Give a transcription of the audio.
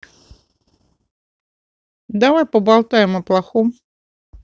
давай поболтаем о плохом